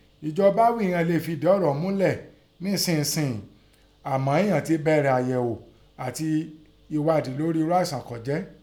Ẹ̀jọba ghí ìghọn leè fi ìdí ọ̀rọ̀ ọ̀ún múlẹ̀ níìninsìnhín, àmọ́ ighọn te bẹ̀rẹ̀ àyẹ̀ò àti ẹ̀ghádìí lórí irú àìsàn kọ́ jẹ́.